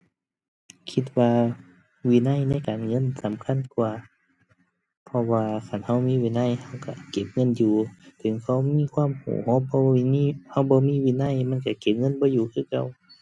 คิดว่าวินัยในการเงินสำคัญกว่า เพราะว่าคันเรามีวินัยเราเราเก็บเงินอยู่ ถึงเรามีความเราเราบ่วิมี เราบ่มีวินัยมันเราเก็บเงินบ่อยู่คือเก่า